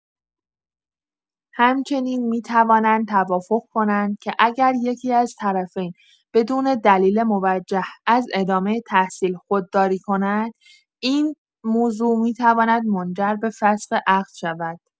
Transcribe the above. همچنین، می‌توانند توافق کنند که اگر یکی‌از طرفین بدون دلیل موجه از ادامه تحصیل خودداری کند، این موضوع می‌تواند منجر به فسخ عقد شود.